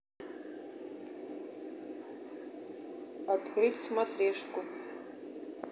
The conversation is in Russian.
открыть смотрешку